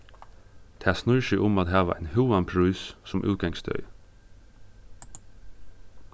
tað snýr seg um at hava ein høgan prís sum útgangsstøði